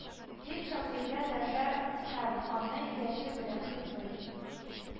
Дип шагыйрьгә дәшә һәм аны яше белән котлый